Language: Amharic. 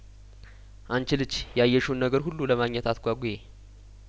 የሰርጉ አንቺ ልጅ ያየሽውን ነገር ሁሉ ለማግኘት አትጓጉ ወጥ ኩችም ተደርጐ ነው የተሰራው